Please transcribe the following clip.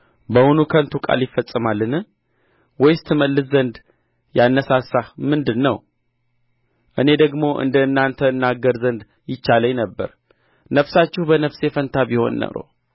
በውኑ ከንቱ ቃል ይፈጸማልን ወይስ ትመልስ ዘንድ ያነሣሣህ ምንድር ነው እኔ ደግሞ እንደ እናንተ እናገር ዘንድ ይቻለኝ ነበር ነፍሳችሁ በነፍሴ ፋንታ ቢሆን ኖሮ